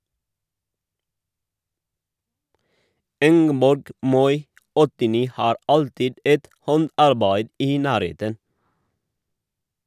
Ingeborg Moi (89) har alltid et håndarbeid i nærheten.